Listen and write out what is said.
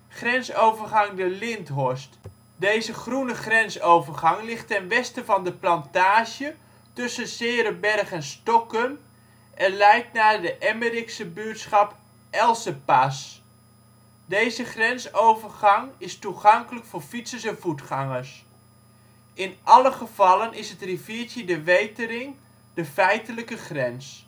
Grensovergang De Linthorst. Deze groene grensovergang ligt ten westen van De Plantage, tussen ' s-Heerenberg en Stokkum, en leidt naar de Emmerikse buurtschap Elsepaß. Deze grensovergang is toegankelijk voor fietsers en voetgangers. In alle gevallen is het riviertje de Wetering de feitelijke grens